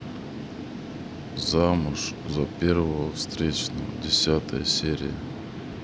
замуж за первого встречного десятая серия